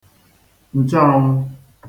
Ǹchèanwu